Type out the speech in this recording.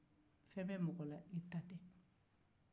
fɛn bɛ mɔgɔ la i ta tɛ